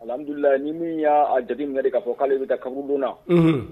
Hadulila ni min y'a jaabi minɛ kɛ k'a fɔ k'ale bɛ da kabdon na